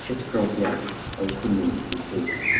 Sut brofiad oedd hwnnw i chi?